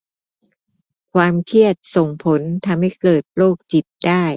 ความเครียดส่งผลทำให้เกิดโรคจิตได้